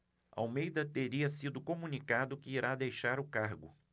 almeida teria sido comunicado que irá deixar o cargo